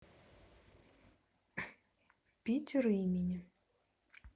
питер имени